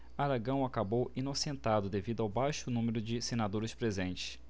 aragão acabou inocentado devido ao baixo número de senadores presentes